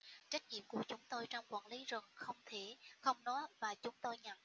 trách nhiệm của chúng tôi trong quản lý rừng không thể không nói và chúng tôi nhận